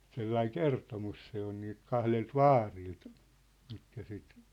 sellainen kertomus se on niiltä kahdelta vaarilta mitkä sitten